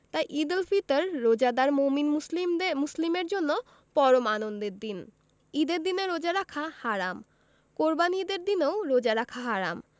তাই ঈদুল ফিতর রোজাদার মোমিন মুসলিমের জন্য পরম আনন্দের দিন ঈদের দিনে রোজা রাখা হারাম কোরবানির ঈদের দিনেও রোজা রাখা হারাম